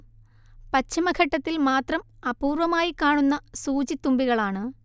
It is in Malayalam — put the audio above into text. പശ്ചിമഘട്ടത്തിൽ മാത്രം അപൂർവ്വമായി കാണുന്ന സൂചിത്തുമ്പികളാണ്